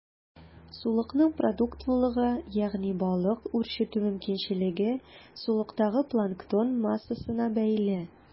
Сулыкның продуктлылыгы, ягъни балык үрчетү мөмкинчелеге, сулыктагы планктон массасына бәйле.